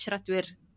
siaradwyr